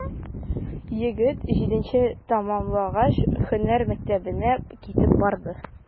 Егет, җиденчене тәмамлагач, һөнәр мәктәбенә китеп барды.